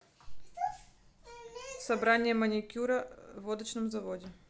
собрание маникюра водочном заводе